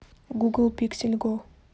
гугл пиксель го